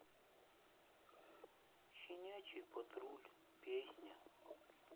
щенячий патруль песня